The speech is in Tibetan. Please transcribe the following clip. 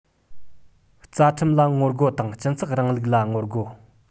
རྩ ཁྲིམས ལ ངོ རྒོལ དང སྤྱི ཚོགས རིང ལུགས ལ ངོ རྒོལ